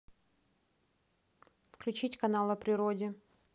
включить канал о природе